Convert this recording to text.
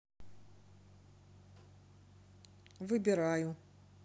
выбираю